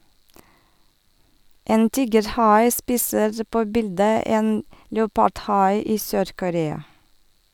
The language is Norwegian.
En tigerhai spiser på bildet en leopardhai i Sør-Korea.